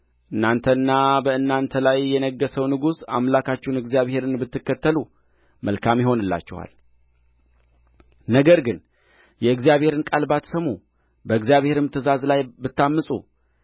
እናንተና በእናንተ ላይ የነገሠው ንጉሥ አምላካችሁን እግዚአብሔርን ብትከተሉ መልካም ይሆንላችኋል ነገር ግን የእግዚአብሔርን ቃል ባትሰሙ በእግዚአብሔርም ትእዛዝ ላይ ብታምፁ